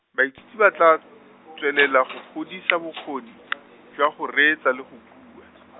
baithuti ba tla, tswelela go godisa bokgoni , jwa go reetsa le go bua.